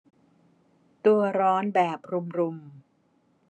ตัวร้อนแบบรุมรุม